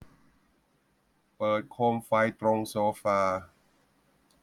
เปิดโคมไฟตรงโซฟา